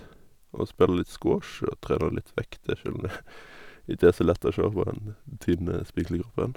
Og spiller litt squash og trener litt vekter, sjøl om det ikke er så lett å sjå på den tynne, spinkle kroppen.